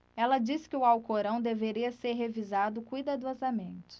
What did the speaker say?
ela disse que o alcorão deveria ser revisado cuidadosamente